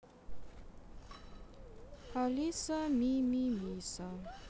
алиса мимимиса